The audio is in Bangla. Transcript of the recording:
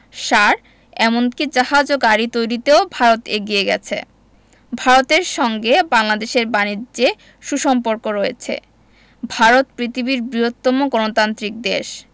সার এমন কি জাহাজ ও গাড়ি তৈরিতেও ভারত এগিয়ে গেছে ভারতের সঙ্গে বাংলাদেশের বানিজ্যে সু সম্পর্ক রয়েছে ভারত পৃথিবীর বৃহত্তম গণতান্ত্রিক দেশ